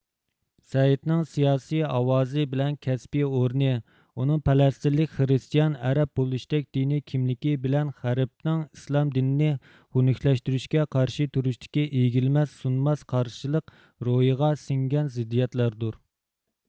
سەئىدنىڭ سىياسىي ئاۋازى بىلەن كەسپىي ئورنى ئۇنىڭ پەلەسىتىنلىك خرىستىيان ئەرەب بولۇشتەك دىنىي كىملىكى بىلەن غەربنىڭ ئىسلام دىنىنى خۇنۇكلەشتۈرۈشكە قارشى تۇرۇشتىكى ئېگىلمەس سۇنماس قارشىلىق روھىغا سىڭگەن زىددىيەتلەردۇر